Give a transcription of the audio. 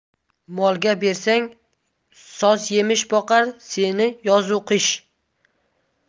molga bersang soz yemish boqar seni yoz u qish